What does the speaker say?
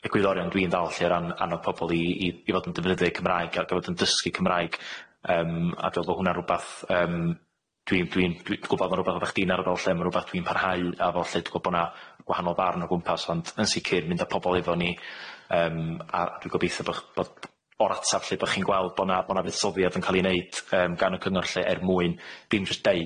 egwyddorion dwi'n ddal lly o ran anong pobol i i i fod yn defnyddio'u Cymraeg ag fod yn dysgu Cymraeg yym a dwi'n me'wl bo' hwnna'n rwbath yym dwi'n dwi'n dwi'n gwbod ma'n rwbath oddach chdi'n arddel lly ma'n rwbath dwi'n parhau â fo' lly, dwi'n gwbo' bo' 'na gwahanol farn o gwmpas ond yn sicir mynd â pobol iddo ni yym a dwi'n gobitho bo' ch- bo' o'r atab lly bo' chi'n gweld bo' 'na bo' 'na fuddsoddiad yn ca'l i neud yym gan y cyngor lly er mwyn dim jyst deud...